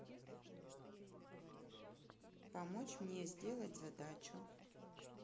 помочь мне сделать задачу